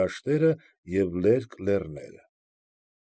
Դաշտերը և լերկ լեռները։